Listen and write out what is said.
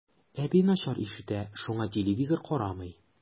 Әби начар ишетә, шуңа телевизор карамый.